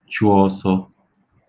chụ̄ ọ̄sọ̄